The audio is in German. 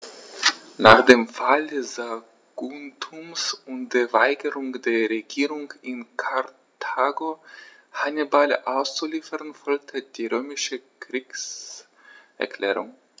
Nach dem Fall Saguntums und der Weigerung der Regierung in Karthago, Hannibal auszuliefern, folgte die römische Kriegserklärung.